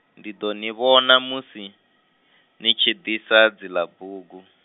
ndi ḓo ni vhona musi, ni tshi ḓisa dzila bugu.